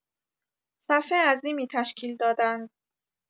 صف عظیمی تشکیل دادند.